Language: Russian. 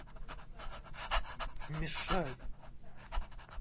не мешай